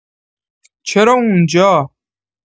چرا اونجا؟